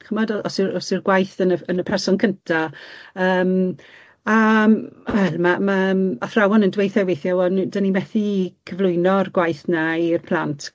Ch'mod o- os yw os yw'r gwaith yn y yn y person cynta yym a yym wel ma' ma' yym athrawon yn dweutha'i weithiau wel ni 'dan ni methu cyflwyno'r gwaith 'na i'r plant.